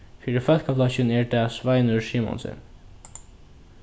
fyri fólkaflokkin er tað sveinur simonsen